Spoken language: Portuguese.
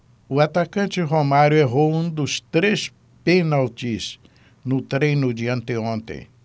o atacante romário errou um dos três pênaltis no treino de anteontem